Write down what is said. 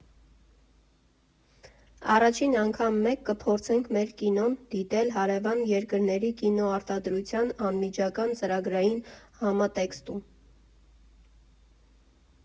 Առաջին անգամ մեկ կփորձենք մեր կինոն դիտել հարևան երկրների կինոարտադրության անմիջական ծրագրային համատեքստում։